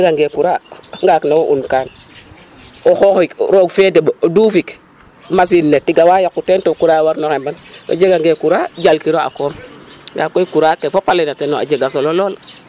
o jegangee courant ngaak ne wo unkan o xooxik roog fe deɓ o dufit machine ne tiga wa yaqu teen to courant war no xemban o jegangee courant jalkiro a koom ndaa koy courant ke fop a layna teen a jega solo lool.